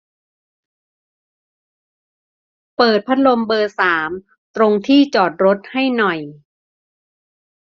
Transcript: เปิดพัดลมเบอร์สามตรงที่จอดรถให้หน่อย